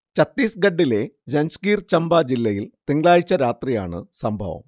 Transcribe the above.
ചത്തീസ്ഗഢിലെ ജഞ്ച്ഗിർ ചമ്പ ജില്ലയിൽ തിങ്കളാഴ്ച്ച രാത്രിയാണ് സംഭവം